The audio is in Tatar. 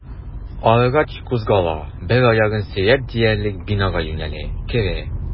Арыгач, кузгала, бер аягын сөйрәп диярлек бинага юнәлә, керә.